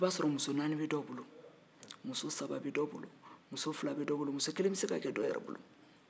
i b'a sɔrɔ muso 1 2 3 4be dɔw bolo